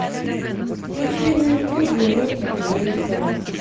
включи на ютубе уроки английского